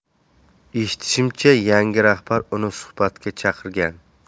eshitishimcha yangi rahbar uni suhbatga chaqirgan